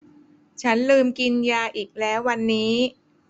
ฉันลืมกินยาอีกแล้ววันนี้